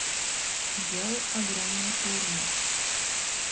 сделал огромную шаурму